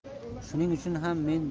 shuning uchun ham men